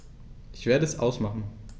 Ich werde es ausmachen